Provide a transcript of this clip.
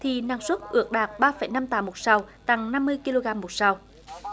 thì năng suất ước đạt ba phẩy năm tạ một sào tăng năm mươi ki lô gam một sào